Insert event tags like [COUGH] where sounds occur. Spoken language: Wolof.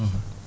[HESITATION] [HESITATION]